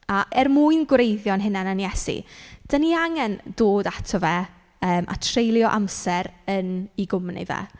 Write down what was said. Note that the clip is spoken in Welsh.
A er mwyn gwreiddio'n hunain yn Iesu, dan ni angen dod ato fe yym a treulio amser yn ei gwmni fe.